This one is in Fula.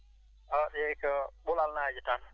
o de ko Ɓoulal naajo tan